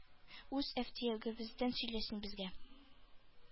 Үз әфтиягебездән сөйлә син безгә,-